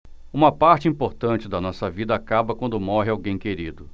uma parte importante da nossa vida acaba quando morre alguém querido